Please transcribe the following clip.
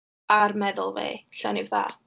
Ar meddwl fi, lle o'n i fatha...